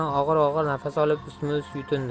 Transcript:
og'ir og'ir nafas olib ustma ust yutindi